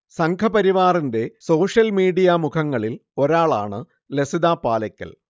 സംഘപരിവാറിന്റെ social media മുഖങ്ങളിൽ ഒരാളാണ് ലസിത പാലയ്ക്കൽ